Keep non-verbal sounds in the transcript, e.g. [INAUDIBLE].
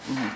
[NOISE] [HESITATION] [HESITATION]